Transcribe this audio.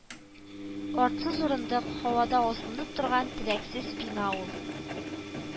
Артсыз урындык, һавада асылынып торган терәксез бина ул